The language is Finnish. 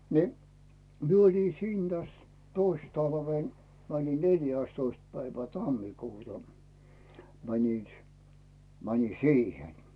niin minä olin siinä tässä toissa talvena menin neljästoista päivä tammikuuta menin - menin siihen